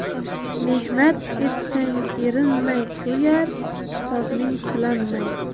mehnat etsang erinmay to'yar qorning tilanmay